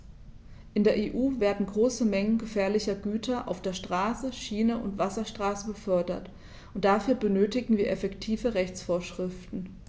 In der EU werden große Mengen gefährlicher Güter auf der Straße, Schiene und Wasserstraße befördert, und dafür benötigen wir effektive Rechtsvorschriften.